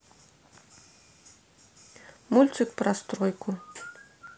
мультик про стройку